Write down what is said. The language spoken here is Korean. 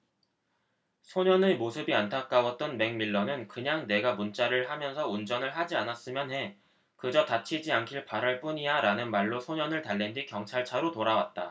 소년의 모습이 안타까웠던 맥밀런은 그냥 네가 문자를 하면서 운전을 하지 않았으면 해 그저 다치지 않길 바랄 뿐이야라는 말로 소년을 달랜 뒤 경찰차로 돌아왔다